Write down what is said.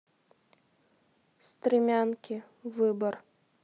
стремянки выбор